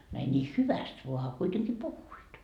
no ei niin hyvästi vaan a kuitenkin puhuivat